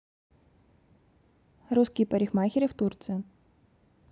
русские парикмахеры в турции